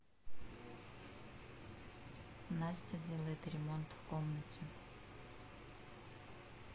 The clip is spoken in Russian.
настя делает ремонт в комнате